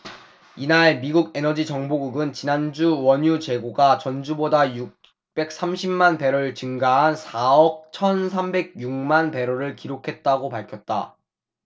이날 미국 에너지정보국은 지난주 원유 재고가 전주보다 육백 삼십 만 배럴 증가한 사 억 천 삼백 여섯 만배럴을 기록했다고 밝혔다